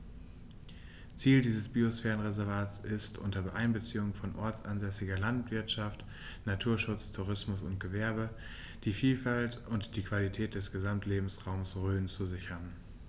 Ziel dieses Biosphärenreservates ist, unter Einbeziehung von ortsansässiger Landwirtschaft, Naturschutz, Tourismus und Gewerbe die Vielfalt und die Qualität des Gesamtlebensraumes Rhön zu sichern.